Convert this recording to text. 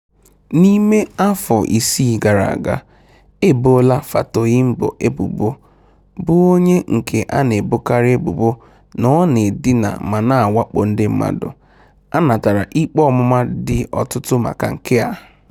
N'ime afọ isii gara aga, e boola Fatoyinbo ebubo, bụ onye nke a na-ebokarị ebubo na ọ na-edina ma na-awakpo ndị mmadụ, a natara ikpe ọmụma dị ọtụtụ maka nke a.